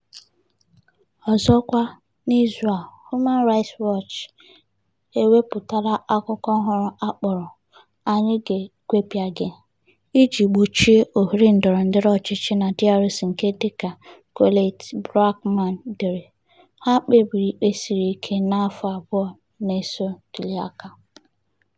Ọzọkwa n'izu a Human Rights Watch ewepụtala akụkọ ọhụrụ a kpọrọ "Anyị ga-egwepịa gị", iji gbochi oghere ndọrọndọrọ ọchịchị na DRC nke dị ka Colette Braeckman dere "ha kpebiri ikpe siri ike n'afọ abụọ na-eso ntuliaka".